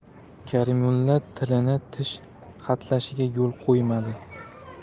karimulla tilini tish hatlashiga yo'l qo'ymadi